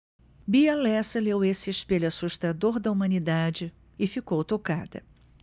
bia lessa leu esse espelho assustador da humanidade e ficou tocada